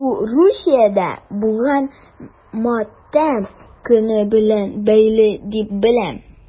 Бу Русиядә булган матәм көне белән бәйле дип беләм...